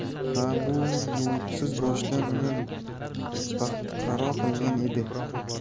ha bu yuvuqsiz boshidan uni baxtiqaro qilgan edi